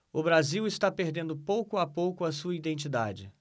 o brasil está perdendo pouco a pouco a sua identidade